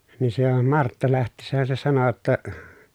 niin se jo Martta lähtiessään se sanoi jotta